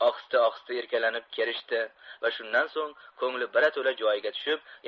ohista ohista erkalanib kerishdi va shundan so'ng ko'ngli birato'la joyiga tushib